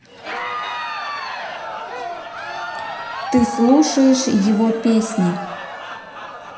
ты слушаешь его песни